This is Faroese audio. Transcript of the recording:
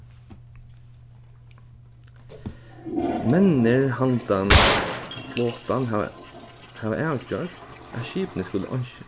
menninir handan flotan hava hava avgjørt at skipini skulu